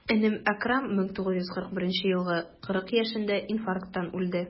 Энем Әкрам, 1941 елгы, 40 яшендә инфаркттан үлде.